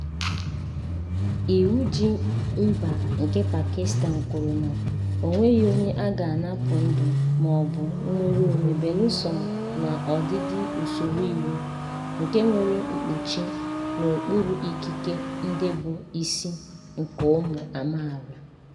Iwu Ji Mba nke Pakistan kwuru na "O nweghị onye a ga-anapụ ndụ ma ọ bụ nnwere onwe belụsọ n'ọdịdị usoro iwu," nke nwere mkpuchi n'okpuru Ikike Ndị Bụ Isi nke ụmụ amaala.